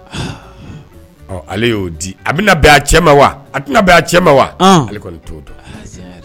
Ɔ ale y'o di, a bɛna bɛn a cɛ ma wa a tɛna bɛn a cɛ ma wa, ɔn ale kɔni t'o don